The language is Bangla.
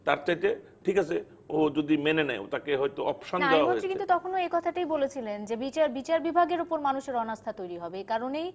তার চাইতে ঠিক আছে ও যদি মেনে নেয় তাকে হয়তো অপশন দেয়া হয়েছে না আইনমন্ত্রী কিন্তু তখন ও এ কথাটাই বলেছিলেন যে বিচার বিচার বিভাগের উপর মানুষের অনাস্থা তৈরী হবে একারণেই